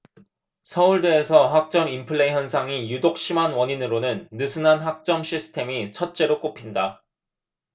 서울대에서 학점 인플레 현상이 유독 심한 원인으로는 느슨한 학점 시스템이 첫째로 꼽힌다